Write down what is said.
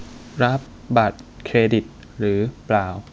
รับบัตรเครดิตหรือเปล่า